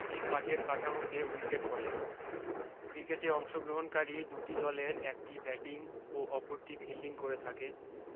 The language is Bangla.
এই কাঠের কাঠামোকে উইকেট বলে ক্রিকেটে অংশগ্রহণকারী দুটি দলের একটি ব্যাটিং ও অপরটি ফিল্ডিং করে থাকে